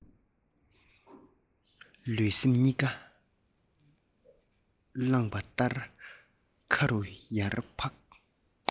ལུས སེམས གཉིས ཀ རླངས པ ལྟར མཁའ རུ ཡར འཕགས